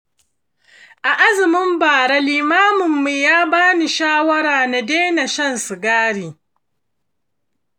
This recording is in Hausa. a azumin bara limaminmu ya bani shawara na daina shan sigari.